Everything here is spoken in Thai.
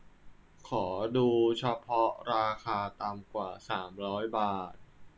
ขอดูเฉพาะราคาต่ำกว่าสามร้อยบาท